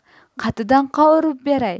qatidan qovurib beray